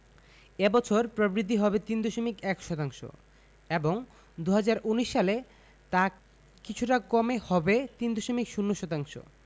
এ বছর প্রবৃদ্ধি হবে ৩.১ শতাংশ এবং ২০১৯ সালে তা কিছুটা কমে হবে ৩.০ শতাংশ